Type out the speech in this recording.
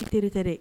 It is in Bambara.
I teri tɛ dɛ